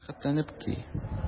Рәхәтләнеп ки!